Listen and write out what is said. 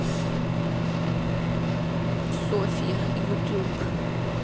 софья ютуб